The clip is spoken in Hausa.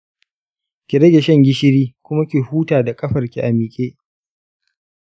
ki rage shan gishiri kuma ki huta da kafan ki a mike.